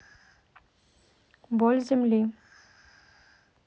боль земли